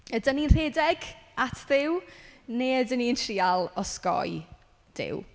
Ydyn ni'n rhedeg at Duw neu ydyn ni'n trial osgoi Duw?